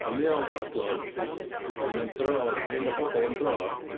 Ond mae o'n fodlon mynd am dro efo... mynd â pobl am dro.